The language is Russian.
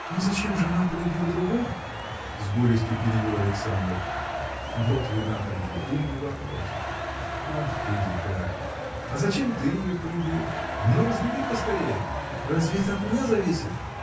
– Но зачем же она полюбила другого? – с горестью перебил Александр. – Вот вина-то где: умный вопрос! Ах ты, дикарь! А зачем ты ее полюбил? Ну, разлюби поскорее! – Разве это от меня зависит?